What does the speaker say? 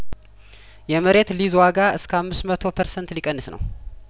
የመሬት ሊዝ ዋጋ እስከአምስት መቶ ፐርሰንት ሊቀንስ ነው